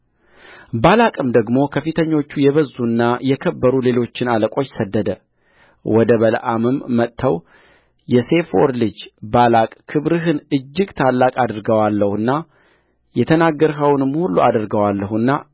ባላቅም ደግሞ ከፊተኞች የበዙና የከበሩ ሌሎችን አለቆች ሰደደወደ በለዓምም መጥተው የሴፎር ልጅ ባላቅ ክብርህን እጅግ ታላቅ አደርገዋለሁና የተናገርኸውንም ሁሉ አደርግልሃለሁና